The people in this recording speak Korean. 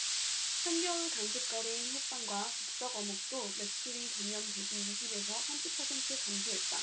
한겨울 간식거리인 호빵과 즉석어묵도 매출이 전년대비 이십 에서 삼십 퍼센트 감소했다